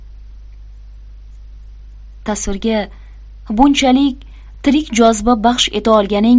tasvirga bunchalik tirik joziba baxsh eta olganing